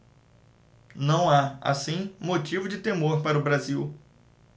não há assim motivo de temor para o brasil